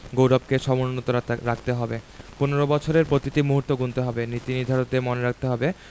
গৌরবকে সমুন্নত রাখতে হবে ১৫ বছরের প্রতিটি মুহূর্ত গুনতে হবে নীতিনির্ধারকদের মনে রাখতে হবে